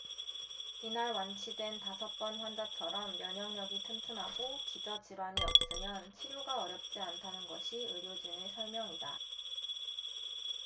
이날 완치된 다섯 번 환자처럼 면역력이 튼튼하고 기저 질환이 없으면 치료가 어렵지 않다는 것이 의료진의 설명이다